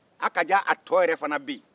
hali kaja a tɔ yɛrɛ fana bɛ yen